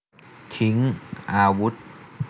ทิ้งอาวุธ